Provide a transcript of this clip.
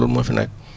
loolu moo fi nekk